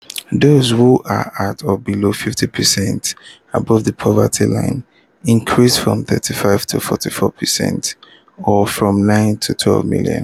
those who are at or below 50% above the poverty line, increased from 35 to 44% (or, from 9 to 12 million).